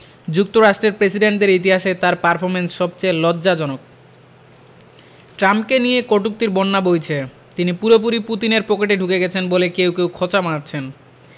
যুক্তরাষ্ট্রের প্রেসিডেন্টদের ইতিহাসে তাঁর পারফরমেন্স সবচেয়ে লজ্জাজনক ট্রাম্পকে নিয়ে কটূক্তির বন্যা বইছে তিনি পুরোপুরি পুতিনের পকেটে ঢুকে গেছেন বলে কেউ কেউ খোঁচা মারছেন